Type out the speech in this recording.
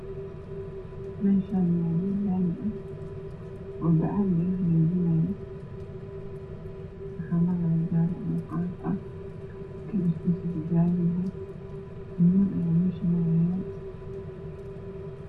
Meeshaani waa meel laami waxaa marayo gaari cagagcagaf kalarkisa jaale nimam ayaa meesha marayo